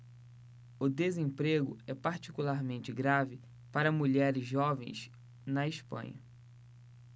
o desemprego é particularmente grave para mulheres jovens na espanha